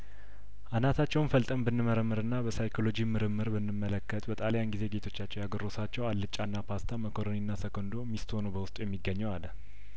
አናታቸውን ፈልጠን ብንመረምርና በሳይኮሎጂ ምርምር ብንመለከት በጣሊያን ጊዜ ጌቶቻቸው ያጐረሷቸው አልጫና ፓስታ ሞኮሮኒና ሰኮንዶ ሚስቶ ነው በውስጡ የሚገኘው አለ